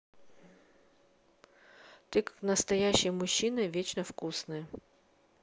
ты как настоящий мужчина вечно вкусный